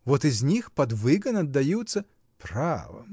Вот из них под выгон отдаются. — Право?